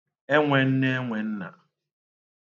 enwēnneenwēnnà